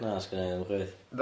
Na sgenna i ddim chwaith.